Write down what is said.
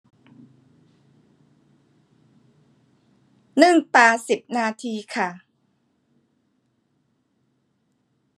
นึ่งปลาสิบนาทีค่ะ